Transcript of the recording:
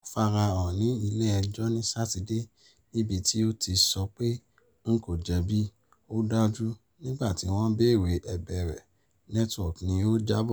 Ó farahàn ní ilé- ẹjọ́ ní Sátidé, níbi tí ó ti sọ pé "n kò jẹ̀bi,ó dájú" nígbà tí wọn bèèrè ẹ̀bẹ̀ rẹ, network ni ó jábọ̀